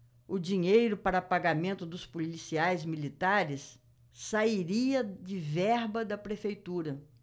o dinheiro para pagamento dos policiais militares sairia de verba da prefeitura